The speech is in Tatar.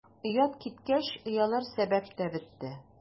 Оят киткәч, оялыр сәбәп тә бетте.